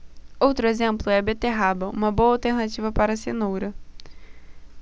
outro exemplo é a beterraba uma boa alternativa para a cenoura